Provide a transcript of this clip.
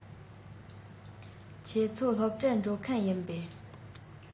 ཁྱེད ཚོ སློབ གྲྭར འགྲོ མཁན ཡིན པས